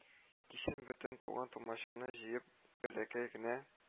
Кичен бөтен туган-тумачаны җыеп бәләкәй генә